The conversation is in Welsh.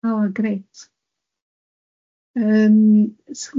Oh, grêt.